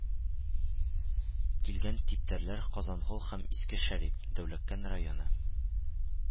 Килгән типтәрләр казангол һәм иске шәрип дәүләкән районы